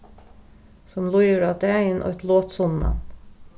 sum líður á dagin eitt lot sunnan